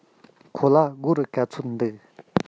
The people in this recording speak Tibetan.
ཁོ ལ སྒོར ག ཚོད འདུག